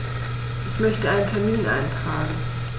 Ich möchte einen Termin eintragen.